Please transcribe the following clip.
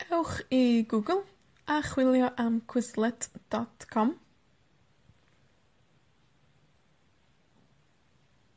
Ewch i Google, a chwilio am Quizlet dot com.